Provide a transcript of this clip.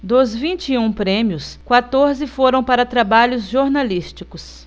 dos vinte e um prêmios quatorze foram para trabalhos jornalísticos